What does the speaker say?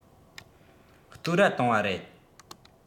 བསྟོད ར བཏང བ རེད